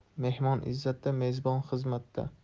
mehmon izzatda mezbon xizmatda